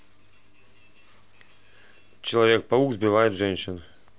человек паук сбивает женщин